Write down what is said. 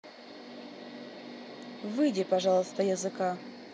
выйди пожалуйста языка